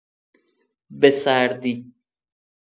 به سردی